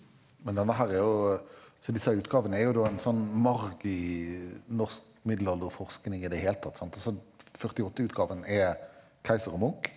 men denne her er jo så disse utgavene er jo da en sånn marg i norsk middelalderforskning i det hele tatt sant, altså førtiåtteutgaven er Kayser og Munch?